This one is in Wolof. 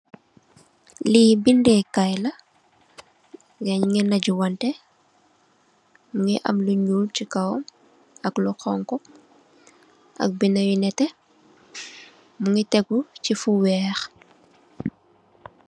Lii bindekaay la, gaayangi najuwante, mingi am lu nyuul si kaw, ak lu xonxu, ak bind yu nete, mingi teggu si fu weex.